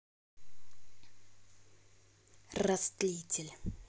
растлитель